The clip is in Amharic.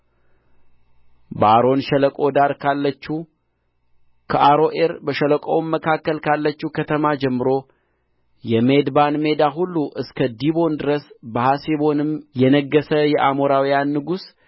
በአርኖን ሸለቆ ዳር ካለችው ከአሮዔር በሸለቆውም መካከል ካለችው ከተማ ጀምሮ የሜድባን ሜዳ ሁሉ እስከ ዲቦን ድረስ በሐሴቦንም የነገሠ የአሞራውያን ንጉሥ